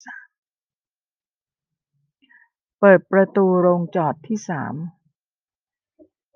เปิดประตูโรงจอดที่สาม